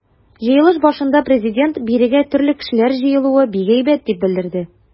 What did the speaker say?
Җыелыш башында Президент: “Бирегә төрле кешеләр җыелуы бик әйбәт", - дип белдерде.